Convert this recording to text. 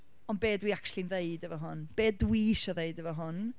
ond be dwi actually'n ddeud efo hwn? Be dwi isio ddeud efo hwn?